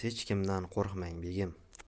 hech kimdan qo'rqmang begim